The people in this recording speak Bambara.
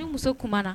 Ni muso kuma na